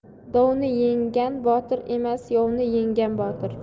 dovni yenggan botir emas yovni yengan botir